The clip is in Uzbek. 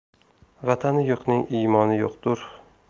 vatani yo'qning iymoni yo'qtur